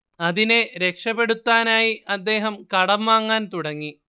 അതിനെ രക്ഷപെടുത്താനായി അദ്ദേഹം കടം വാങ്ങാൻ തുടങ്ങി